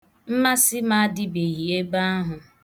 Mmasị m adịbeghi ebe ahụ.